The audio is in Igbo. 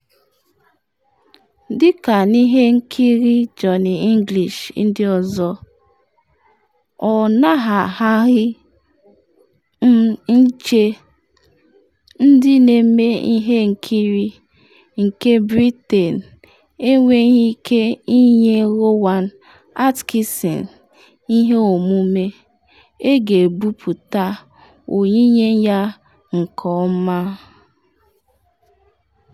Dịka n’ihe nkiri Johnny English ndị ọzọ, ọ naghaghị m ịche: ndị na-eme ihe nkiri nke Britain enweghi ike nye Rowan Atkinson ihe omume ga-ebuputa onyinye ya nke ọma?